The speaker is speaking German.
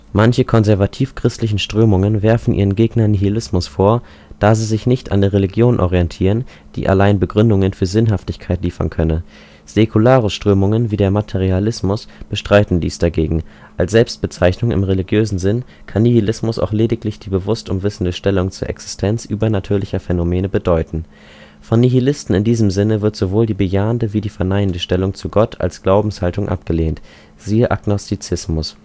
Manche konservativ-christlichen Strömungen werfen ihren Gegnern Nihilismus vor, da sie sich nicht an der Religion orientieren, die allein Begründungen für Sinnhaftigkeit liefern könne. Säkulare Strömungen wie der Materialismus bestreiten dies dagegen. Als Selbstbezeichnung im religiösen Sinn kann Nihilismus auch lediglich die bewusst unwissende Stellung zur Existenz übernatürlicher Phänomene bedeuten. Von Nihilisten in diesem Sinne wird sowohl die bejahende wie die verneinende Stellung zu Gott als Glaubenshaltung abgelehnt (siehe Agnostizismus